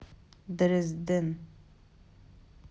дрезден